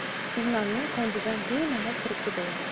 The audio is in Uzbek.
piymamning qo'njidan bemalol kirib ketaveradi